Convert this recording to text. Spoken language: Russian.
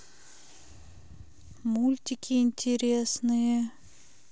мультики интересные